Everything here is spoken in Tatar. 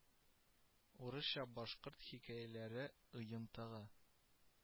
Урысча башкорт хикәяләре ыентыгы